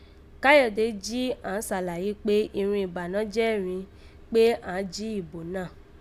Káyọ̀dé jí àán sàlàyé kpé irun ìbànọ́jẹ́ rin kpé àán jí ìbò náà